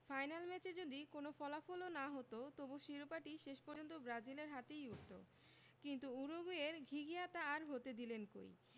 final ম্যাচে যদি কোনো ফলাফলও না হতো তবু শিরোপাটি শেষ পর্যন্ত ব্রাজিলের হাতেই উঠত কিন্তু উরুগুয়ের ঘিঘিয়া তা আর হতে দিলেন কই